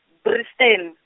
Brixton.